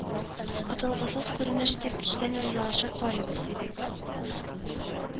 Котылгысыз күренеш дип, эчтән ризалашып карыйбыз